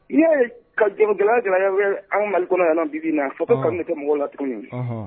N'i' ye ka jɔn gɛlɛya jara bɛ anw mali kɔnɔ yan bin na fo ko kan kɛ mɔgɔw la tuguni ye